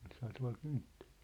olisihan tuolla kynttilöitä